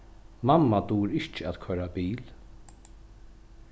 mamma dugir ikki at koyra bil